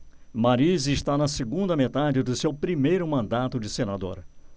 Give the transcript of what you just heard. mariz está na segunda metade do seu primeiro mandato de senador